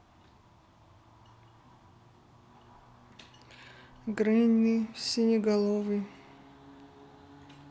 гренни синеголовый